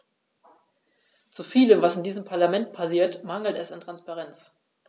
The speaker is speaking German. Zu vielem, was in diesem Parlament passiert, mangelt es an Transparenz.